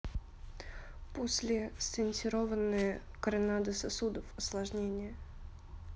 после стентированные коронадо сосудов осложнения